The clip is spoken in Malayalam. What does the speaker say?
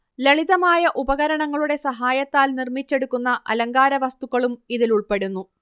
ലളിതമായ ഉപകരണങ്ങളുടെ സഹായത്താൽ നിർമ്മിച്ചെടുക്കുന്ന അലങ്കാര വസ്തുക്കളും ഇതിലുൾപ്പെടുന്നു